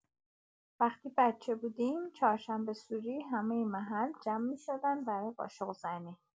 وقتی بچه بودیم، چهارشنبه‌سوری همه محله جمع می‌شدن برای قاشق‌زنی.